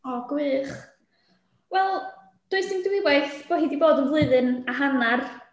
O gwych! Wel, does dim dwywaith bo' hi 'di bod yn flwyddyn a hanner.